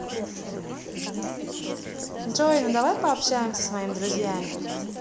джой ну давай пообщаемся с моими друзьями